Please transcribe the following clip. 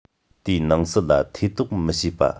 དེའི ནང སྲིད ལ ཐེ གཏོགས མི བྱེད པ